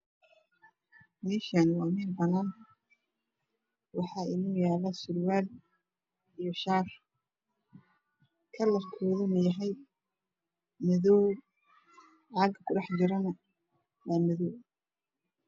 .mishan waa mel banan ah wax inoyalo Surwal iyo shar kalarkoduna yahay madow caga ku dhaxjirana waa Madow